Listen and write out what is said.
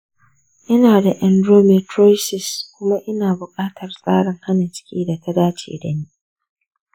ina da endometriosis kuma ina bukatar tsarin hana ciki da ta dace da ni.